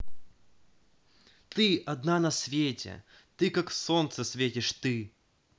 ты одна на свете ты как солнце светишь ты